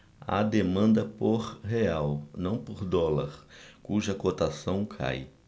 há demanda por real não por dólar cuja cotação cai